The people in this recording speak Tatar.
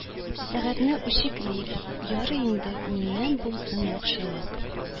Сәгатьне үчекли, ярый инде, миннән булсын яхшылык